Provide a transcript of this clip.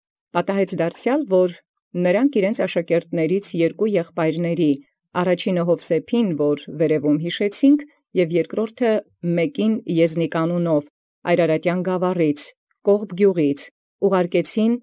Որոց դարձեալ դէպ լինէր եղբարս յաշակերտացն՝ յուղարկել ի կողմանս Ասորոց ի քաղաքն Եդեսացւոց, զՅովսէփ, զոր ի վերոյն յիշեցաք, և երկրորդն Եզնիկ անուն՝ յԱյրարատեան գաւառէն, ի Կողբ գեղջէ, զի։